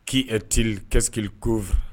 K'i e teri kis ko